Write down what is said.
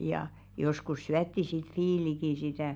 ja joskus syötiin sitten viiliäkin sitä